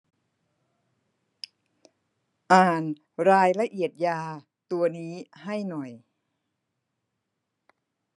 อ่านรายละเอียดยาตัวนี้ให้หน่อย